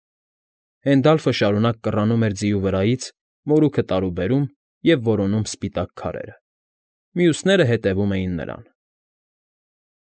Հենդալֆը շարունակ կռանում էր ձիու վրայից, մորուքը տարուբերում և որոնում սպիտակ քարերը, մյուսները հետևում էին նրան։